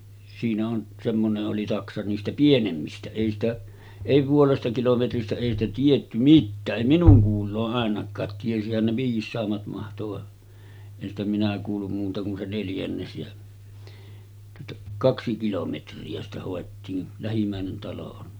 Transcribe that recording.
siinä on semmoinen oli taksa niistä pienemmistä ei sitä ei puolesta kilometristä ei sitä tiedetty mitään ei minun kuuloon ainakaan tiesihän ne viisaammat mahtoi vaan en sitä minä kuullut muuta kuin se neljännes ja tuota kaksi kilometriä sitä hoettiin lähimmäinen talo on